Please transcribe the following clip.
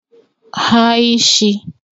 ha ishī